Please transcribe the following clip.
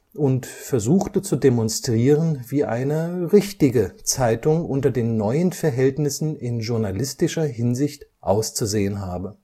und versuchte zu demonstrieren, wie eine „ richtige “Zeitung unter den neuen Verhältnissen in journalistischer Hinsicht auszusehen habe